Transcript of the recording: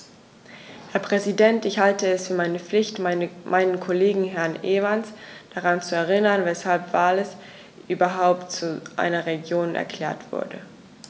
Herr Präsident, ich halte es für meine Pflicht, meinen Kollegen Herrn Evans daran zu erinnern, weshalb Wales überhaupt zu einer Region erklärt wurde.